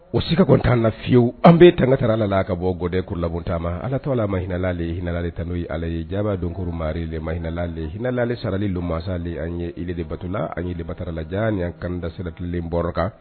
O se kɔntan na fiyewu an bɛ tangatarala a ka bɔ bɔɛkuru labon taama ma ala' ala ma hinɛinalali hinɛinalali tan n'o ye ala ye jabaa don koro maririɛlɛmainalale hinɛinalali sarali don masale an yee debatola an yeelebatarala jaa an kanda siratilen bɔ kan